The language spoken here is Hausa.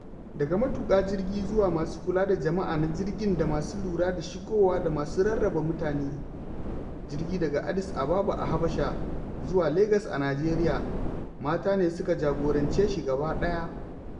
Daga matuƙa jirgin zuwa masu kula da jama'a na jirgin da masu lura da shigowa da masu rarraba mutane, jirgin - daga Addis Ababa a Habasha zuwa Legas a Najeriya - mata ne suka jagorance shi gabaɗaya.